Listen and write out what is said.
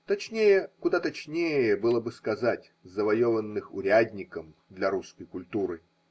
Точнее, куда точнее было бы сказать: Завоеванных урядником для русской культуры.